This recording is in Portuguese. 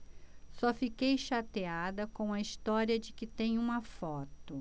só fiquei chateada com a história de que tem uma foto